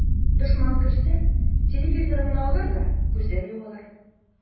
Дошман керсә, телевизорыңны алыр да күздән югалыр.